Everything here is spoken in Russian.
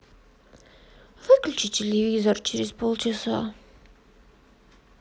выключи телевизор через полтора часа